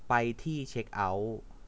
ไปที่เช็คเอ้าท์